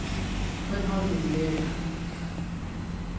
hvønn haldi eg meg vera